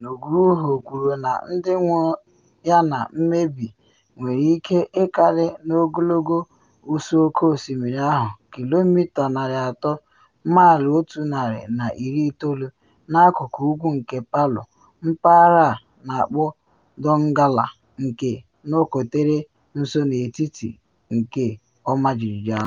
Nugroho kwuru na ndị nwụrụ yana mmebi nwere ike ịkarị n’ogologo ụsọ oke osimiri ahụ kilomita narị atọ (maịlụ otu narị na iri itoolu) n’akụkụ ugwu nke Palu, mpaghara a na akpọ Donggala, nke nọketere nso na etiti nke ọmajiji ahụ.